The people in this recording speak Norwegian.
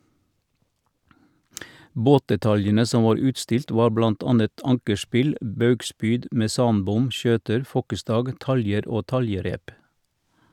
Båtdetaljene som var utstilt var blant annet ankerspill, baugspyd, mesanbom, skjøter, fokkestag, taljer og taljerep.